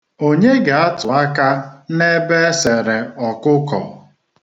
Onye ga-atụ aka n'ebe e sere ọkụkọ?